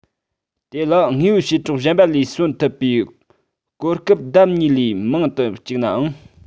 དེ ལ དངོས པོའི བྱེ བྲག གཞན པ ལས གསོན ཐུབ པའི གོ སྐབས ལྡབ གཉིས ལས མང དུ བཅུག ནའང